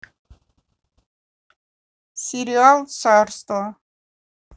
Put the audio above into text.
сериал царство